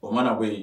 O mana bɔ yen